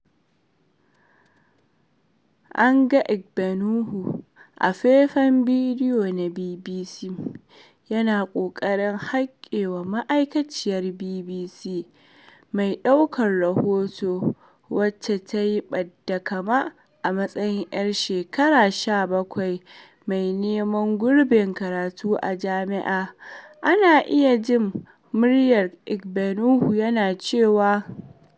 An ga Igbeneghu a faifan bidiyon na BBC yana ƙoƙarin haikewa ma'aikaciyar BBC mai ɗaukan rahoto wacce ta yi ɓadda kama a matsayin 'yar shekara 17 mai neman gurbin karatu a jami'a. Ana iya jin muryar Igbeneghu yana cewa: